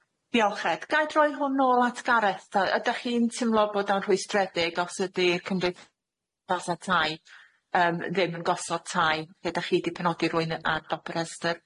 Diolch Ed. Gai roi hwn nôl at Gareth ta ydach chi'n timlo bod o'n rhwystredig os ydi'r cymryd ff- thasa tai yym ddim yn gosod tai lle dach chi di penodi rywun yy ar dop y rhestr?